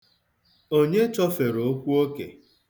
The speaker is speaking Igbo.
Onye chọfere okwu oke.